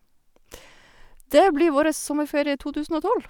Det blir vårres sommerferie to tusen og tolv.